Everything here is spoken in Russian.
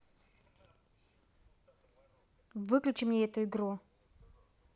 выключи мне эту игру